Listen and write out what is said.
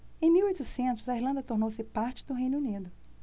em mil e oitocentos a irlanda tornou-se parte do reino unido